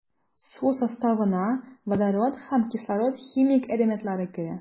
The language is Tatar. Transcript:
Су составына водород һәм кислород химик элементлары керә.